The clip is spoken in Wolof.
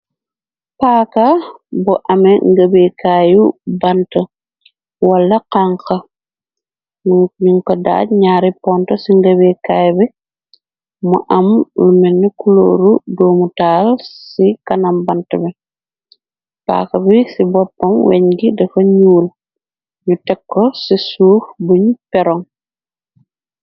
Paaka bu ame ngëbeekaayu bante wala xanka min ko daaj ñaari ponto ci ngëbeekaay bi mu am lu mene kulóoru doomu taal ci kanam bante bi paaka bi ci boptoŋ weñ gi dafa nuur ñu tekkoo ci suuf buñ perong.